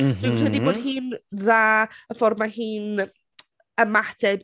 Mhm... Dwi'n credu bod hi'n dda, y ffordd mae hi'n ymateb...